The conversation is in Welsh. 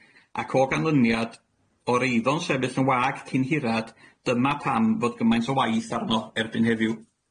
ac o ganlyniad, o'r eiddo'n sefyll yn wag cyn hirad, dyma pam fod gymaint o waith arno erbyn heddiw.